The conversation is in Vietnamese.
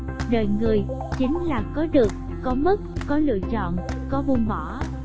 đời người chính là có được có mất có lựa chọn có buông bỏ